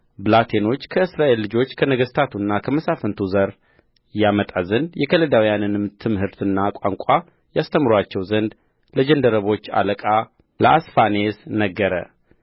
ብላቴኖች ከእስራኤል ልጆች ከነገሥታቱና ከመሳፍንቱ ዘር ያመጣ ዘንድ የከለዳውያንንም ትምህርትና ቋንቋ ያስተምሩአቸው ዘንድ ለጃንደረቦች አለቃ ለአስፋኔዝ ነገረ